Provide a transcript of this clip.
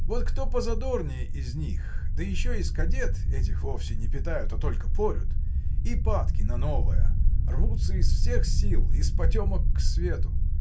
вот кто позадорнее из них, да еще из кадет, — этих вовсе не питают, а только порют — и падки на новое, рвутся из всех сил — из потемок к свету.